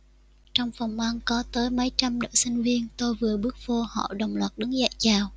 trong phòng ăn có tới mấy trăm nữ sinh viên tôi vừa bước vô họ đồng loạt đứng dậy chào